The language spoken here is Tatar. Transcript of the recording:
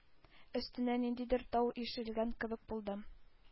Өстенә ниндидер тау ишелгән кебек булды